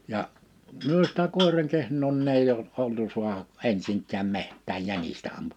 ja me sitä koiran kehnoa niin ei - oltu saada ensinkään metsään jänistä ampumaan